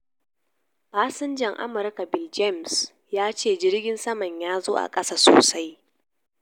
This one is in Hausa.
Fasinjan Amurka Bill Jaynes ya ce jirgin saman ya zo a kasa sosai.